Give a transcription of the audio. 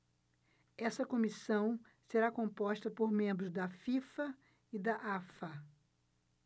essa comissão será composta por membros da fifa e da afa